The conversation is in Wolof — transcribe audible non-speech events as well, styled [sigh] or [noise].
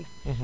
[hesitation] [hesitation]